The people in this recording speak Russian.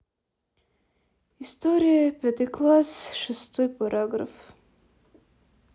история пятый класс шестой параграф